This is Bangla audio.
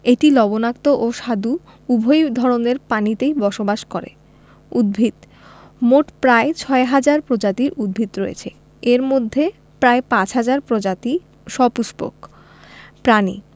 এটি লবণাক্ত ও স্বাদু উভয় ধরনের পানিতেই বসবাস করে উদ্ভিদঃ মোট প্রায় ৬ হাজার প্রজাতির উদ্ভিদ রয়েছে এর মধ্যে প্রায় ৫ হাজার প্রজাতি সপুষ্পক প্রাণী